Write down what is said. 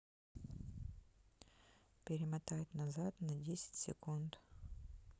перемотать назад на десять секунд